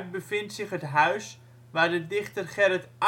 bevindt zich het huis waar de dichter Gerrit